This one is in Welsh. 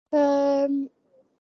Yym